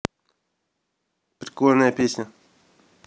прикольная песня